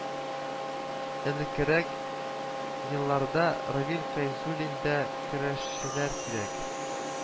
Элеккерәк елларда Равил Фәйзуллин да Көрәшчеләр кирәк